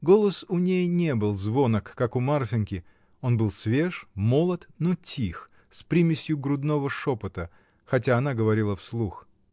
Голос у ней не был звонок, как у Марфиньки: он был свеж, молод, но тих, с примесью грудного шепота, хотя она говорила вслух.